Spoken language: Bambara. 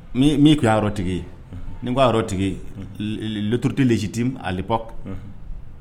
Min yɔrɔ tigi ye ni'a yɔrɔ tigi turuurte jiti alip